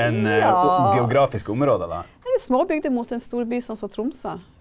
ja eller småbygder mot en storby sånn som Tromsø.